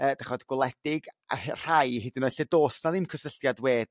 yrr d'ch'od gwledig a rh- rhai hyd yn oed lle do's 'na ddim cysylltiad we